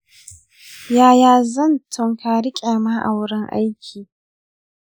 yaya zan tunkari kyama a wurin aiki?